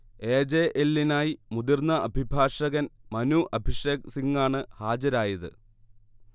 A. J. എല്ലിനായി മുതിർന്ന അഭിഭാഷകൻ മനു അഭിഷേക് സിങ്ങാണ് ഹാജരായത്